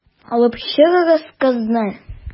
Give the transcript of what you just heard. Алып чыгыгыз кызны.